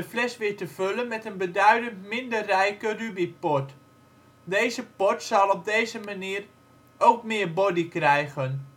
fles weer te vullen met een beduidend minder rijke ruby port. Deze port zal op deze manier ook meer ' body ' krijgen